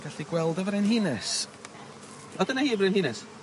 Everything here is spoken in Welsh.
Gallu gweld y frenhines a dyna hi y brenhines!